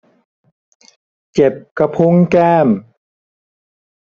เจ็บกระพุ้งแก้ม